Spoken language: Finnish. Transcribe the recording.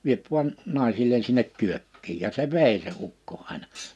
vie vain naisille sinne kyökkiin ja se vei se ukko aina